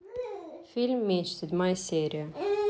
фильм меч седьмая серия